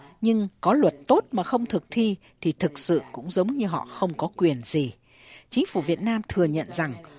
nhưng có luật tốt mà không thực thi thì thực sự cũng giống như họ không có quyền gì chính phủ việt nam thừa nhận rằng